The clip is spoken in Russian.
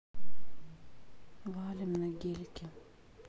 валим на гелике